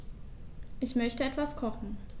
Ich möchte etwas kochen.